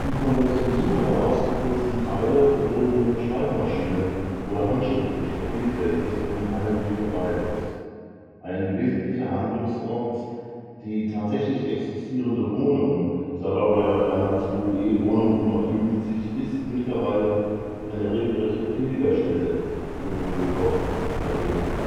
von der Zensur herausgekürzten Teile wurden mit der Schreibmaschine oder handschriftlich vervielfältigt und heimlich verbreitet (Samisdat). Ein wesentlicher Handlungsort, die tatsächlich existierende Wohnung Sadowaja 302b, Wohnung 50, ist mittlerweile eine regelrechte Pilgerstätte für Bulgakow-Verehrer